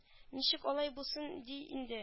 Ничек алай булсын ди инде